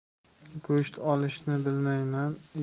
go'sht olishni bilmayman